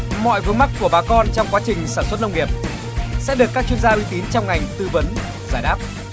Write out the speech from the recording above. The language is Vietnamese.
mọi vướng mắc của bà con trong quá trình sản xuất nông nghiệp sẽ được các chuyên gia uy tín trong ngành tư vấn giải đáp